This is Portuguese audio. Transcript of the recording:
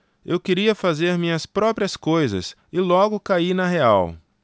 eu queria fazer minhas próprias coisas e logo caí na real